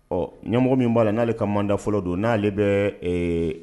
Ɔ ɲɛmɔgɔ min b'a la, n'ale ka manda fɔlɔ don n'ale bɛ ɛɛ